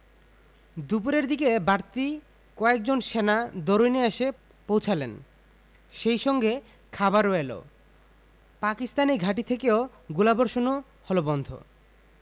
দুপুরের দিকে বাড়তি কয়েকজন সেনা দরুইনে এসে পৌঁছালেন সেই সঙ্গে খাবারও এলো পাকিস্তানি ঘাঁটি থেকে গোলাবর্ষণও হলো বন্ধ